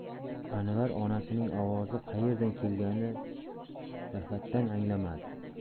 anvar onasining ovozi qaerdan kelganini daf'atan anglamadi